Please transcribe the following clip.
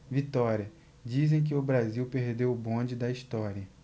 vitória dizem que o brasil perdeu o bonde da história